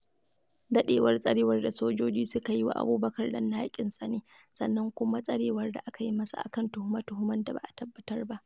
Daɗewar tsarewar da sojoji suka yi wa Abubakar danne haƙƙinsa ne, sannan da kuma tsarewar da aka yi masa a kan tuhume-tuhumen da ba a tabbatar ba.